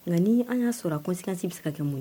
Nka ni an ya sɔrɔ, a conséquence bi se ka kɛ mun ye?